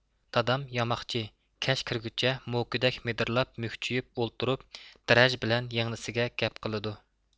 دادام ياماقچى كەچ كىرگۈچە موكىدەك مىدىرلاپ مۈكچىيىپ ئولتۇرۇپ دىرەج بىلەن يىڭنىسىگە گەپ قىلىدۇ